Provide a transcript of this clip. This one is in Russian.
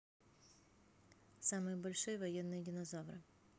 самые большие военные динозавры